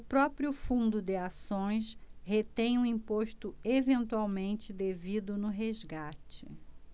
o próprio fundo de ações retém o imposto eventualmente devido no resgate